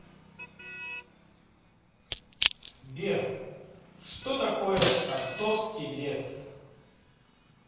сбер что такое отцовский лес